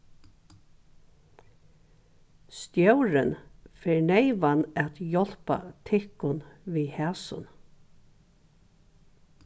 stjórin fer neyvan at hjálpa tykkum við hasum